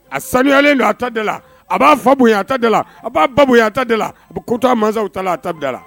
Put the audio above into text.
A sanuyalen don a ta la, a b'a fa boyan a ta la, a b'a ba boyan a ta la, a bɛ ko to masaw ta la, o ko da la